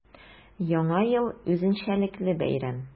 Яңа ел – үзенчәлекле бәйрәм.